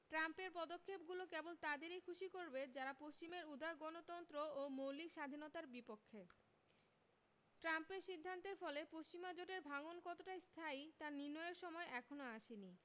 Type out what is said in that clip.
ট্রাম্পের পদক্ষেপগুলো কেবল তাদেরই খুশি করবে যারা পশ্চিমের উদার গণতন্ত্র ও মৌলিক স্বাধীনতার বিপক্ষে ট্রাম্পের সিদ্ধান্তের ফলে পশ্চিমা জোটের ভাঙন কতটা স্থায়ী তা নির্ণয়ের সময় এখনো আসেনি